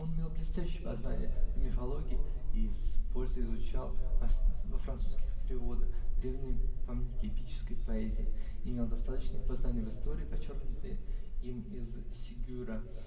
имел блестящие познания в мифологии и с пользой изучал, во французских переводах, древние памятники эпической поэзии, имел достаточные познания в истории, почерпнутые им из Сегюра